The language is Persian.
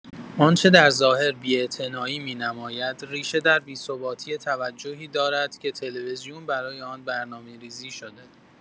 آنچه در ظاهر بی‌اعتنایی می‌نماید، ریشه در بی‌ثباتی توجهی دارد که تلویزیون برای آن برنامه‌ریزی شده.